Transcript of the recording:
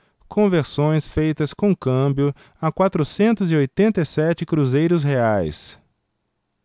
conversões feitas com câmbio a quatrocentos e oitenta e sete cruzeiros reais